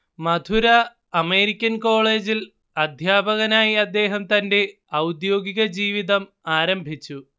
മധുര American കോളേജില്‍ അദ്ധ്യാപകനായി അദ്ദേഹം തന്റെ ഔദ്യോഗിക ജീവിതം ആരംഭിച്ചു